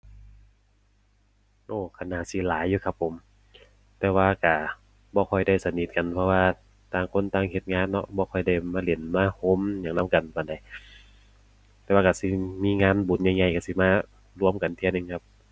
โอ้ ก็น่าสิหลายอยู่ครับผม แต่ว่าก็ บ่ค่อยได้สนิทกันเพราะว่าต่างคนต่างเฮ็ดงานเนาะ บ่ค่อยได้มาเล่นมาโฮมหยังนำกันปานใด แต่ว่าก็สิมีงานบุญใหญ่ใหญ่ ก็สิมารวมกันเทื่อหนึ่งครับ